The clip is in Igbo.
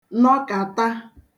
nọkàta